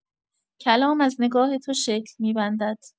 کلام از نگاه تو شکل می‌بندد.